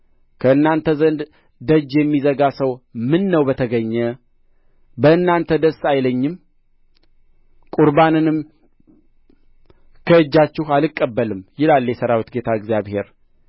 ከእናንተ ዘንድ ደጅ የሚዘጋ ሰው ምነው በተገኘ በእናንተ ደስ አይለኝም ቍርባንንም ከእጃችሁ አልቀበልም ይላል የሠራዊት ጌታ እግዚአብሔር